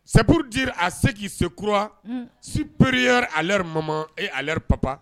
Sɛ pure dire a se ki se kura sipriyɛre a lɛre mama e a lɛre papa.